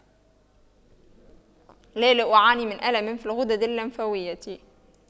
لا لا أعاني من ألم في الغدد اللمفاوية